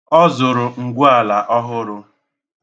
Ọ zụrụ ngwuala ọhụrụ.